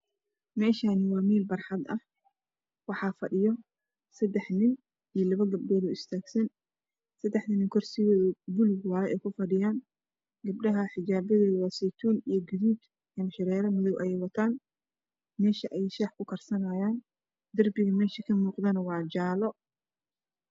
Meeshani waa meel barxad ah waxaa fadhiyo sadex nin labo gabdhood istaagsan sadexnin kurisigoodu bulug waye ay kufadhiyaa gabdha xijaabadoda saytuun iyo gaduud indha sasharer madaw ayay wataan meesha ay shaax kukarsanayaan darbiga meesha kamuuqana waa jaalo